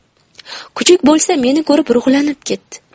kuchuk bo'lsa meni ko'rib ruhlanib ketdi